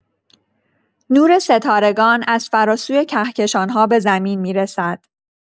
نور ستارگان از فراسوی کهکشان‌ها به زمین می‌رسد.